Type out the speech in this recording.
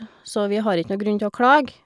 Så vi har itj noe grunn til å klage.